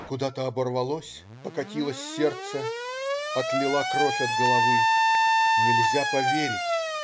" Куда-то оборвалось, покатилось сердце, отлила кровь от головы. Нельзя поверить!.